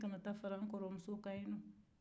n ka na taa n kɔrɔmuso ka yen dɛɛ